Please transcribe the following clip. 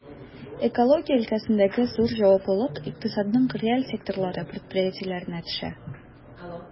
Экология өлкәсендәге зур җаваплылык икътисадның реаль секторлары предприятиеләренә төшә.